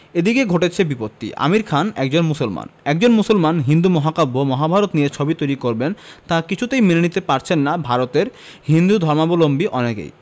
এদিকে ঘটেছে বিপত্তি আমির খান একজন মুসলমান একজন মুসলমান হিন্দু মহাকাব্য মহাভারত নিয়ে ছবি তৈরি করবেন তা কিছুতেই মেনে নিতে পারছেন না ভারতের হিন্দুধর্মাবলম্বী অনেকে